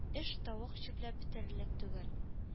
Эш тавык чүпләп бетерерлек түгел